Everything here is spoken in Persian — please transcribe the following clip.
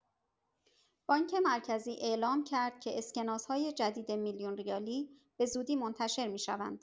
بانک مرکزی اعلام کرد که اسکناس‌های جدید میلیون‌ریالی به‌زودی منتشر می‌شوند.